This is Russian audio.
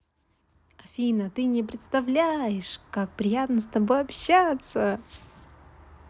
афина ты не представляешь как приятно с тобой общаться